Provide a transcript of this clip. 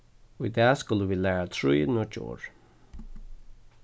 í dag skulu vit læra trý nýggj orð